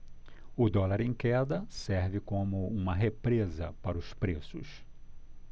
o dólar em queda serve como uma represa para os preços